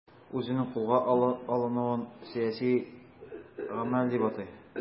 Үзенең кулга алынуын сәяси гамәл дип атый.